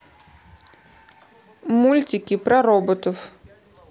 мультики про роботов